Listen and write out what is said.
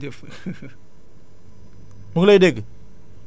monsieur Mabye jërëjëf